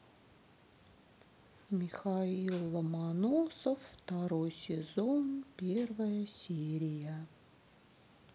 михаил ломоносов второй сезон первая серия